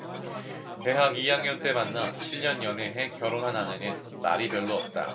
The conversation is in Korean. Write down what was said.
대학 이 학년 때 만나 칠 년 연애해 결혼한 아내는 말이 별로 없다